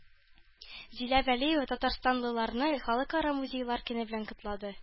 Зилә Вәлиева татарстанлыларны Халыкара музейлар көне белән котлады